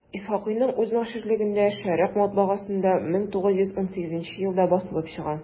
Исхакыйның үз наширлегендә «Шәрекъ» матбагасында 1918 елда басылып чыга.